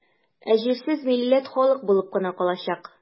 Ә җирсез милләт халык булып кына калачак.